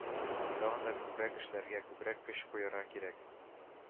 Тагын да күбрәк эшләргә, күбрәк көч куярга кирәк